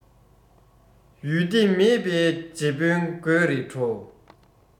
ཡུལ སྡེ མེད པའི རྗེ དཔོན དགོད རེ བྲོ